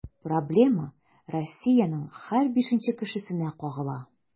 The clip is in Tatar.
Проблема Россиянең һәр бишенче кешесенә кагыла.